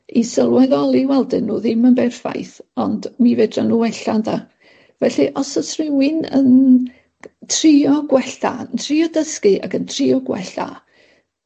i sylweddoli wel 'dyn nw ddim yn berffaith ond mi fedran nw wella ynde felly os oes rhywun yn g- trio gwella yn trio dysgu ac yn trio gwella